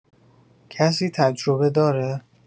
کسی تجربه داره؟